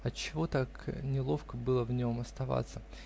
отчего так неловко было в нем оставаться?